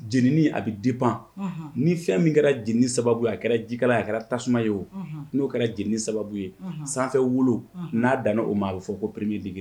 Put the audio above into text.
Jeni a bɛ di pan ni fɛn min kɛra jeni sababu a kɛra jikala a kɛra tasuma ye o n'o kɛra jeni sababu ye sanfɛ wolo n'a dan o maa bɛ fɔ ko pereeliigi